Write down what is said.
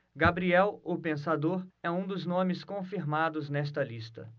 gabriel o pensador é um dos nomes confirmados nesta lista